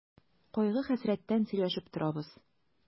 Кайгы-хәсрәттән сөйләшеп торабыз.